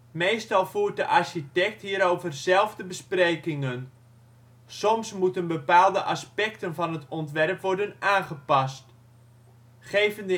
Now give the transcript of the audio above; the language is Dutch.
Meestal voert de architect hierover zelf de besprekingen. Soms moeten bepaalde aspecten van het ontwerp worden aangepast. Geven de